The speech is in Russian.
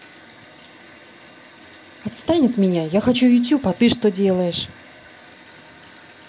отстань от меня я хочу youtube а ты что делаешь